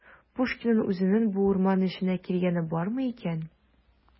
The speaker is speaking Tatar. Пушкинның үзенең бу урман эченә килгәне бармы икән?